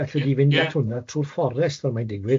...lli di fynd at hwnna trwy'r fforest fel mae'n digwydd.